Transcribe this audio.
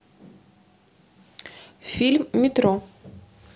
фильм метро